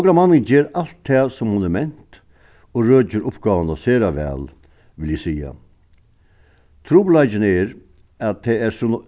okra manning ger alt tað sum hon er ment og røkir uppgávuna sera væl vil eg siga trupulleikin er at tað so